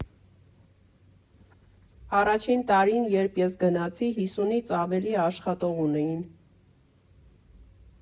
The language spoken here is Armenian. Առաջին տարին, երբ ես գնացի, հիսունից ավելի աշխատող ունեին։